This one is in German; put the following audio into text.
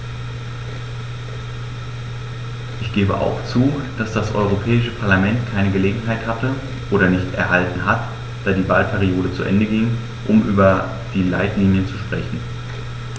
Ich gebe auch zu, dass das Europäische Parlament keine Gelegenheit hatte - oder nicht erhalten hat, da die Wahlperiode zu Ende ging -, um über die Leitlinien zu sprechen.